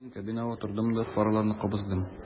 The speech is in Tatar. Мин кабинага утырдым да фараларны кабыздым.